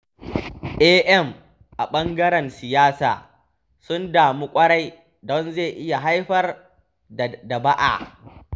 AM a ɓangaren siyasa sun damu ƙwarai don zai iya haifar da ba’a.